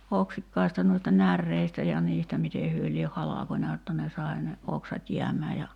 oksikkaista noista näreistä ja niistä miten he lie halkonut jotta ne sai ne oksat jäämään ja